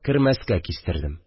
Кермәскә кистердем